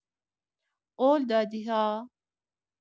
قول دادی‌ها!